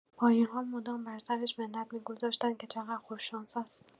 با این حال مدام بر سرش منت می‌گذاشتند که چقدر خوش‌شانس است.